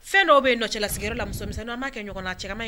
Fɛn dɔw bɛ yen cɛlasigin yɔrɔ la musomisɛninw an b'a kɛ ɲɔgɔn na, a cɛ ma ɲin.